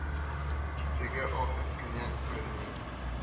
Тик теге ак эт кенә күренми